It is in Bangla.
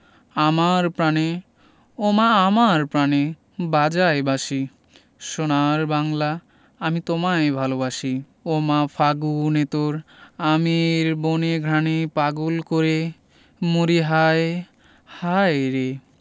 আমার প্রাণে ও মা আমার প্রাণে বাজায় বাঁশি সোনার বাংলা আমি তোমায় ভালোবাসি ও মা ফাগুনে তোর আমের বনে ঘ্রাণে পাগল করে মরি হায় হায় রে